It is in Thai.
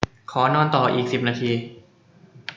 ขอนอนต่ออีกสิบนาที